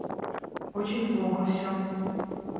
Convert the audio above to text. очень плохо все